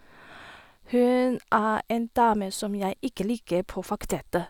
Hun er en dame som jeg ikke liker på fakultetet.